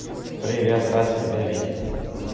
привет рад тебя видеть